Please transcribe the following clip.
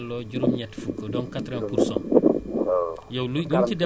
téeméer bu nekk daañu la si delloo juróom-ñett fukk donc quatre vingt pour cent